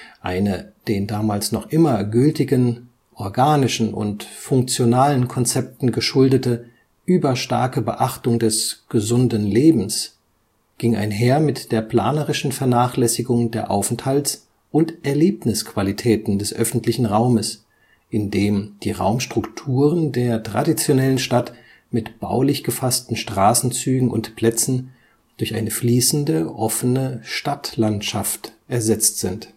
eine den damals noch immer gültigen „ organischen “und „ funktionalen “Konzepten geschuldete überstarke Beachtung des „ gesunden Lebens “(Durchgrünung, gleichförmige Gebäudeausrichtung nach Süden, Verkehrstrennung, Separierung der Wohngebiete von Arbeits - und Einkaufszonen) ging einher mit der planerischen Vernachlässigung der Aufenthalts - und Erlebnisqualitäten des öffentlichen Raumes, in dem die Raumstrukturen der traditionellen Stadt mit baulich gefassten Straßenzügen und Plätzen durch eine fließende, offene „ Stadtlandschaft “ersetzt sind